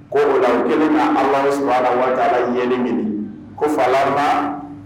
Ko o ola kɛlen ka ala su wa ɲɛani minɛ ko faraba